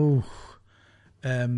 O yym.